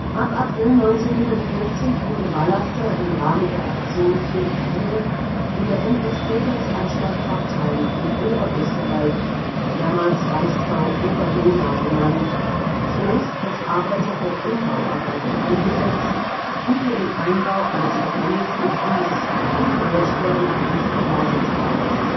Ab April 1940 wurde Vallaster im Rahmen der Aktion T4 in der NS-Tötungsanstalt Hartheim in Oberösterreich (damals Reichsgau Oberdonau genannt) zunächst als Arbeiter für Umbauarbeiten eingesetzt, wie für den Einbau eines Verbrennungsofens und die Herstellung eines Vergasungsraumes